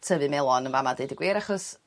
tyfu melon yn fama deud y gwir achos